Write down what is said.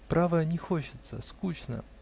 -- Право, не хочется -- скучно!